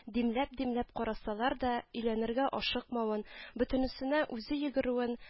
Димләп-димләп карасалар да, өйләнергә ашыкмавын, бөтенесенә үзе йөгерүен